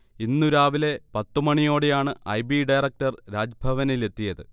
ഇന്നു രാവിലെ പത്തു മണിയോടെയാണ് ഐ. B director രാജ്ഭവനിലെത്തിയത്